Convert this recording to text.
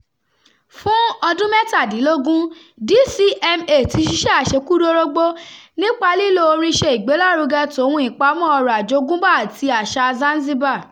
Fún ọdún mẹ́tàdínlógún, DCMA ti ṣiṣẹ́ àṣekúdórógbó nípa lílo orin ṣe ìgbélárugẹ tòun ìpamọ́ ọ̀rọ̀ àjogúnbá àti àṣà Zanzibar.